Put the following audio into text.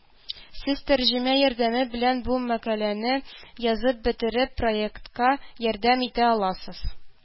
Сез тәрҗемә ярдәме белән бу мәкаләне язып бетереп проектка ярдәм итә аласыз